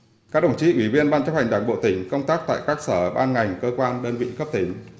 các đồng chí ủy viên ban chấp hành đảng bộ tỉnh công tác tại các sở ban ngành cơ quan đơn vị cấp tỉnh